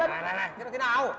này này này thế là thế nào